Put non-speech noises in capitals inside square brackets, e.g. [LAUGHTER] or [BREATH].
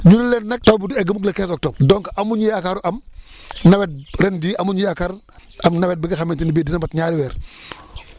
ñu ne leen nag taw bi du egg mukk le quinze octobre donc amuñu yaakaar am [BREATH] nawet ren jii amuñu yaakaar am nawet bi nga xamante ne bii dina mot ñaari weer [BREATH]